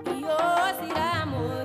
I yo Sira Mori